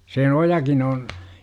se ojakin on